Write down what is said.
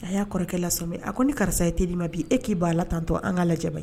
A y'a kɔrɔkɛ lasomin a ko ni karisa ye te di ma bi e k'i ban ala tan tɔ an ka lajɛ